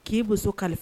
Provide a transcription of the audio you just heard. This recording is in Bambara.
K'i muso kalifa